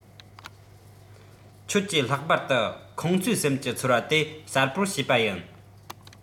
ཁྱོད ཀྱིས ལྷག པ དུ ཁོང ཚོས སེམས ཀྱི ཚོར བ དེ གསལ པོར ཤེས པ ཡིན